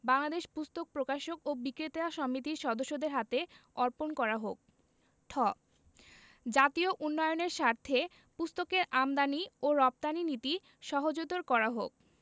বাংলাদেশ পুস্তক প্রকাশক ও বিক্রেতা সমিতির সদস্যদের হাতে অর্পণ করা হোক ঠ জাতীয় উন্নয়নের স্বার্থে পুস্তকের আমদানী ও রপ্তানী নীতি সহজতর করা হোক